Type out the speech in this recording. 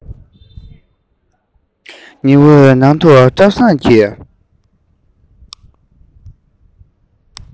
ཉི འོད ནང དུ བཀྲ བཟང གིས